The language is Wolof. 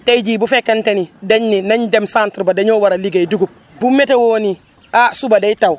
tey jii bu fekkente ni dañ ni nañ dem centre ba dañu ko war a liggéey dugub bu météo ni ah suba day taw